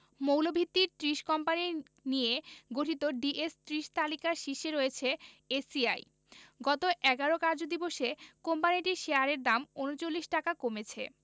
মৌলভিত্তির ৩০ কোম্পানি নিয়ে গঠিত ডিএস ৩০ তালিকার শীর্ষে রয়েছে এসিআই গত ১১ কার্যদিবসে কোম্পানিটির শেয়ারের দাম ৩৯ টাকা কমেছে